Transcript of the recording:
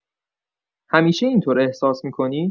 همیشه اینطور احساس می‌کنی؟